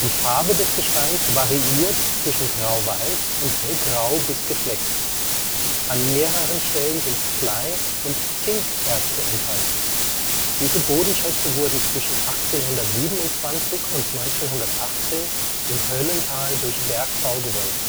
Farbe des Gesteins variiert zwischen grauweiß und hellgrau bis gefleckt. An mehreren Stellen sind Blei und Zinkerze enthalten. Diese Bodenschätze wurden zwischen 1827 und 1918 im Höllental durch Bergbau gewonnen